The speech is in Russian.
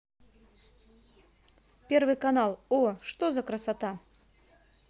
первый канал о что за красота